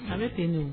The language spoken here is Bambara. A bɛ fɛ don